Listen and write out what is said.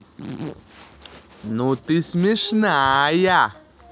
ну ты смешная